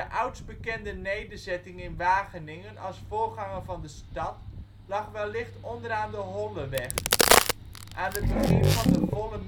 oudst bekende nederzetting in Wageningen als voorganger van de stad lag wellicht onderaan de Holleweg. Aan het begin van de volle